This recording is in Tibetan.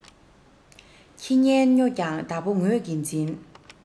ཁྱི ངན སྨྱོ ཡང བདག པོ ངོས ཀྱིས འཛིན